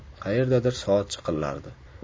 qayerdadir soat chiqillardi